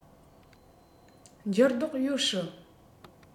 འགྱུར ལྡོག ཡོད སྲིད